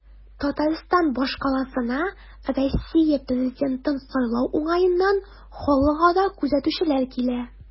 Татарстан башкаласына Россия президентын сайлау уңаеннан халыкара күзәтүчеләр килә.